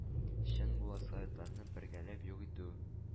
Чын була – советларны бергәләп юк итү.